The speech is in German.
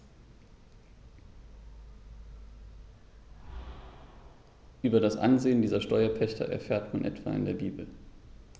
Über das Ansehen dieser Steuerpächter erfährt man etwa in der Bibel.